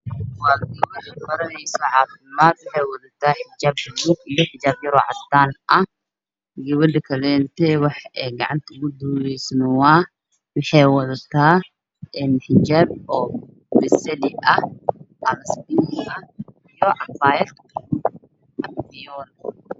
Waa gabar baraneyso caafimaad waxay wadataa xijaab buluug ah iyo xijaab yar oo cadaan ah, gabadha kale oo gacanta duubeyso waxay wadataa xijaab bingi ama basali ah iyo cabaayad.